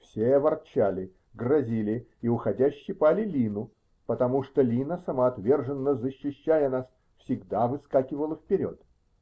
Все ворчали, грозили и, уходя, щипали Лину, потому что Лина, самоотверженно защищая нас, всегда выскакивала вперед.